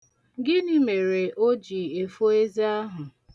Gịnị mere o ji efo eze ahụ.